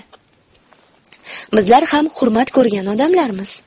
bizlar ham hurmat ko'rgan odamlarmiz